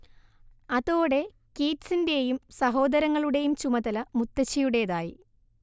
അതോടെ കീറ്റ്സിന്റേയും സഹോദരങ്ങളുടേയും ചുമതല മുത്തശ്ശിയുടേതായി